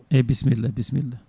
eyyi bisimilla bisimilla